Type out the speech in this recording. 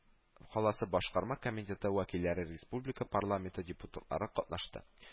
Каласы башкарма комитеты вәкилләре, республика парламенты депутатлары катнашты